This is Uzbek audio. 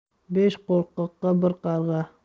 besh qo'rqoqqa bir qarg'a